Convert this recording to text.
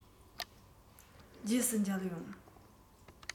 རྗེས སུ མཇལ ཡོང